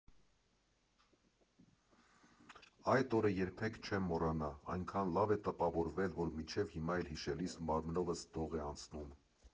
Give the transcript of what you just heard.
Այդ օրը երբեք չեմ մոռանա, այնքան լավ է տպավորվել, որ մինչև հիմա էլ հիշելիս մարմնովս դող է անցնում։